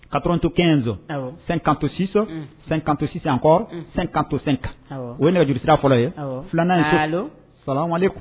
95 awɔ 56 un 56 encore unhun 55 awɔ o yr nɛgɛjurusira fɔlɔ ye awɔ 2nan ye allo salamaleku